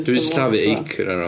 Dwi 'di sillafu acre yn wrong.